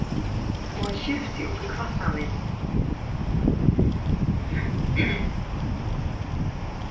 og eitt skifti upp í hvassan vind